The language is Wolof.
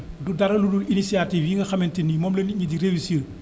du dara ludul initiative yi nga xamante ni moom la nit ñi di réussir